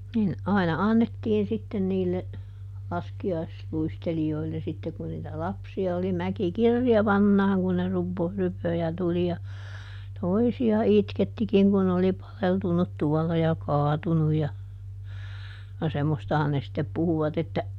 niin aina annettiin sitten niille laskiaisluistelijoille sitten kun niitä lapsia oli mäki kirjavanaan kun ne - rypöi ja tuli ja toisia itkettikin kun ne oli paleltunut tuolla ja kaatunut ja ja semmoistahan ne sitten puhuivat että